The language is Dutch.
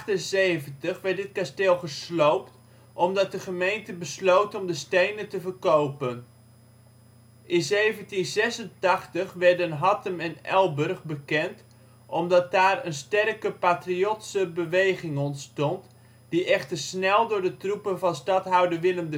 In 1778 werd dit kasteel gesloopt omdat de gemeente besloot om de stenen te verkopen. In 1786 werden Hattem en Elburg bekend omdat daar een sterke Patriotse beweging ontstond, die echter snel door de troepen van stadhouder Willem